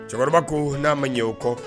Cɛkɔrɔba ko n'a ma ɲɛ o kɔ